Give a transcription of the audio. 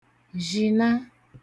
zhìna